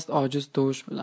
ojiz tovush bilan